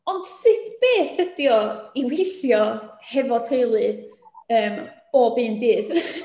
Ond sut beth ydi o i weithio efo teulu yym bob un dydd?